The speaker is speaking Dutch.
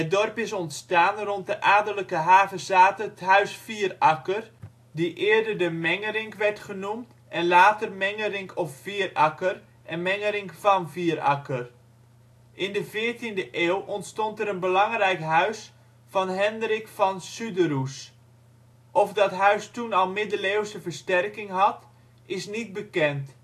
dorp is ontstaan rond de adellijke havezate’ t Huis Vieracker, die eerder de Mengerink werd genoemd en later Mengerink off Vieracker en Mengerink van Vieracker. In de 14e eeuw ontstond er een belangrijk huis van Henrick van Suderoes. Of dat huis toen al middeleeuwse versterking had, is niet bekend. Het